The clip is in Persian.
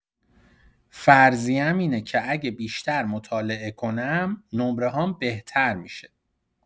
فرضیه‌ام اینه که اگه بیشتر مطالعه کنم، نمره‌هام بهتر می‌شه.